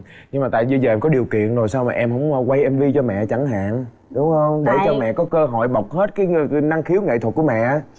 nhưng tại như giờ em có điều kiện rồi sao mà em hổng quay em vi cho mẹ chẳng hạn đúng hông để cho mẹ có cơ hội bộc hết cái cái năng khiếu nghệ thuật của mẹ